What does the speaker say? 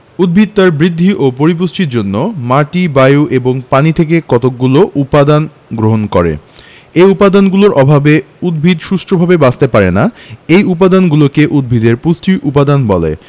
উদ্ভিদ তার বৃদ্ধি ও পরিপুষ্টির জন্য মাটি বায়ু এবং পানি থেকে কতগুলো উপদান গ্রহণ করে এ উপাদানগুলোর অভাবে উদ্ভিদ সুষ্ঠুভাবে বাঁচতে পারে না এ উপাদানগুলোকে উদ্ভিদের পুষ্টি উপাদান বলে